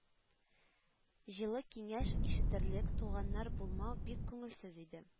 Җылы киңәш ишетерлек туганнар булмау бик күңелсез иде